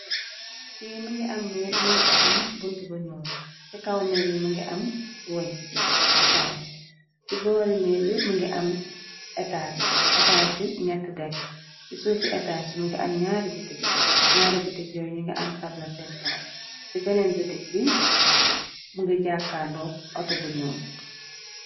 Fi mëngi am miir bi am bunt bu ñoo ci kaw mir bi mëngi am wëy ci kown ci boori miir bi mëngi am etaas ci ñett dekk ci suufi etaas i më ngi am ñaari bitik ñaari bitik yoy ñu nga am tabla seen kaw ci beneen bitik bi mënga jàkkaaloo auto bu ñuo